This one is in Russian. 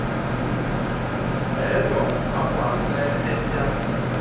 это опасная песня